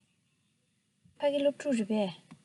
ཕ གི སློབ ཕྲུག རེད པས